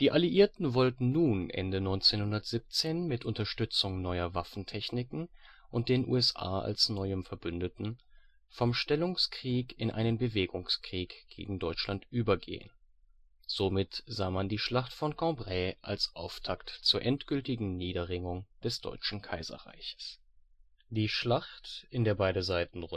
Alliierten wollten nun Ende 1917 mit Unterstützung neuer Waffentechniken und den USA als neuem Verbündeten vom Stellungskrieg in einen Bewegungskrieg gegen Deutschland übergehen - somit sah man die Schlacht von Cambrai als Auftakt zur endgültigen Niederringung des Deutschen Kaiserreiches. Die Schlacht, in der beide Seiten